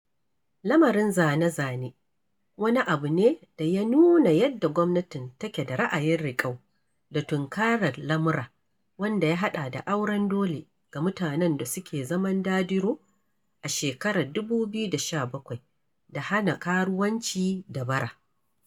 Lamarin "zane-zane" wani abu ne da ya nuna yadda gwamnatin take da ra'ayin riƙau da tunkarar lamura, wanda ya haɗa da auren dole ga mutanen da suke zaman dadiro a shekarar 2017 da hana karuwanci da bara.